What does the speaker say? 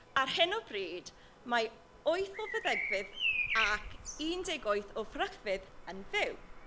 Ar hyn o bryd mae wyth o feddygfydd ac un deg wyth o fferyllfydd yn fyw.